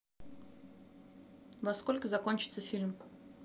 во сколько закончится фильм